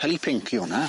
Peli pinc yw wnna.